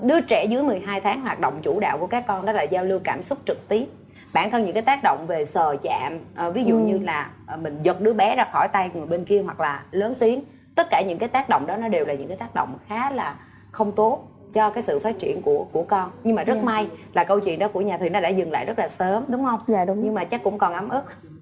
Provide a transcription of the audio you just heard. đứa trẻ dưới mười hai tháng hoạt động chủ đạo của các con đó là giao lưu cảm xúc trực tiếp bản thân những cái tác động về sờ chạm ờ ví dụ như là mình giật đứa bé ra khỏi tay người bên kia hoặc là lớn tiếng tất cả những cái tác động đó nó đều là những cái tác động khá là không tốt cho cái sự phát triển của của con nhưng là rất may là câu chuyện đó của nhà thùy nó đã dừng lại rất là sớm đúng hông nhưng mà chắc cũng còn ấm ức